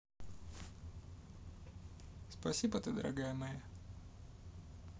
спасибо ты дорогая моя